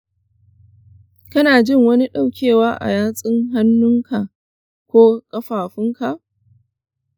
kana jin wani ɗaukewa a yatsun hannunka ko ƙafafunka?